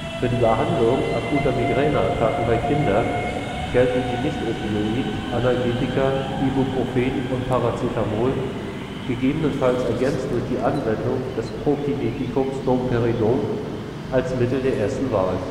Für die Behandlung akuter Migräneattacken bei Kindern gelten die Nichtopioid-Analgetika Ibuprofen und Paracetamol, gegebenenfalls ergänzt durch die Anwendung des Prokinetikums Domperidom, als Mittel der ersten Wahl